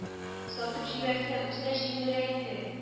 Атып җибәрсә, үзенә җиңелрәк инде